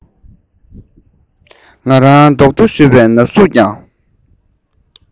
ང རང རྡོག ཐོ གཞུས པའི ན ཟུག ཀྱང